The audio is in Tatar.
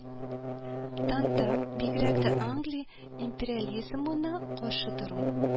Танта, бигрәк тә англия империализмына каршы тору